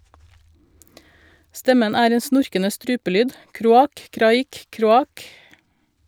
Stemmen er en snorkende strupelyd , kroak-kraik-kroak.